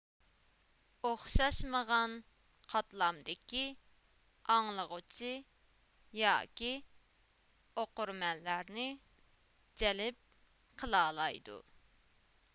ئوخشاشمىغان قاتلامدىكى ئاڭلىغۇچى ياكى ئوقۇرمەنلەرنى جەلپ قىلالايدۇ